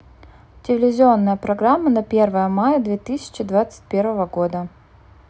телевизионная программа на первое мая две тысячи двадцать первого года